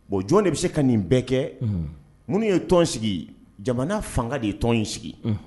Bon jɔn de bi se ka nin bɛɛ kɛ , munun ye tɔn sigi. jamana fanga de ye tɔn in sigi.